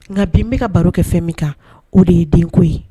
Nka bi n bɛka ka baro kɛ fɛn min kan o de ye denko ye